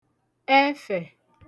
ẹfẹ̀